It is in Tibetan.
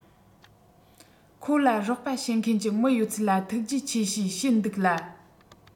ཁོ ལ རོགས པ བྱེད མཁན གྱི མི ཡོད ཚད ལ ཐུགས རྗེ ཆེ ཞེས བཤད འདུག ལ